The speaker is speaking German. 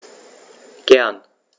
Gern.